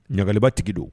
Ɲagalibatigi don